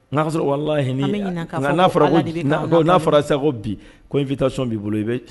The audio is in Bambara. N'aa sɔrɔ wala h n'a fɔra n'a fɔra sa bi ko n vi taa sɔn' ii bolo i